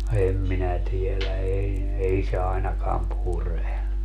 en minä tiedä ei ei se ainakaan pure